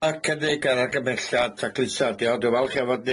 A cynnig yr argymelliad taclusa 'di o dwi'n falch am fod